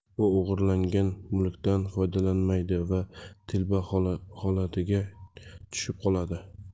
u o'g'irlangan mulkdan foydalanmaydi va telba holatiga tushib qoladi